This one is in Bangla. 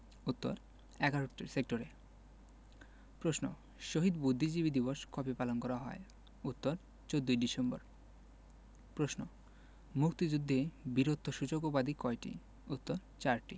উত্তর ১১টি সেক্টরে প্রশ্ন শহীদ বুদ্ধিজীবী দিবস কবে পালন করা হয় উত্তর ১৪ ডিসেম্বর প্রশ্ন মুক্তিযুদ্ধে বীরত্বসূচক উপাধি কয়টি উত্তর চারটি